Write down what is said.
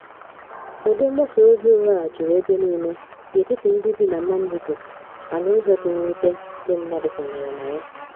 Ụdị mgbasa ozi ụgha a juru ebe niile n'etiti ndị bị na Mandingo ma n'ụzọ dị mwute, ndị mmadụ kwenyere na ya.